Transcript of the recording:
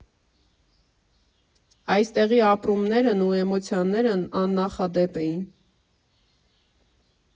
Այստեղի ապրումներն ու էմոցիաներն աննախադեպ էին։